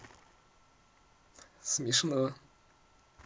смешно